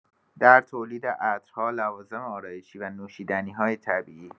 در تولید عطرها، لوازم آرایشی و نوشیدنی‌های طبیعی